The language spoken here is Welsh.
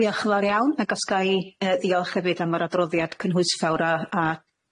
Diolch yn fawr iawn ag os ga i yy diolch hefyd am yr adroddiad cynhwysfawr a a